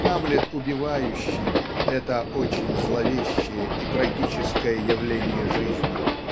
Гамлет убивающий - это очень зловещее и трагическое явление жизни.